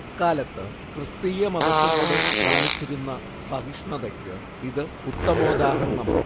അക്കാലത്ത് ക്രിസ്തീയ മതത്തിനോടു കാണിച്ചിരുന്ന സഹിഷ്ണൂതക്ക് ഇത് ഉത്തമോദാഹരണമാണ്